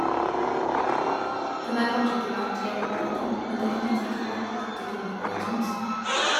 Den er kanskje ikke verd hele plata, men definitivt verd åtte kroner på iTunes.